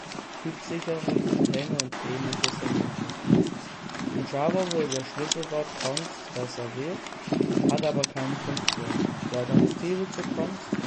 typsichere Container und ähnliches ermöglichen. In Java wurde das Schlüsselwort const reserviert, hat aber keine Funktion. Die Alternative zu const